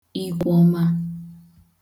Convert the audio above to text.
ikwọma